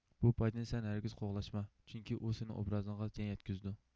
بۇ پايدىنى سەن ھەرگىز قوغلاشما چۈنكى ئۇ سېنىڭ ئوبرازىڭغا زىيان يەتكۈزىدۇ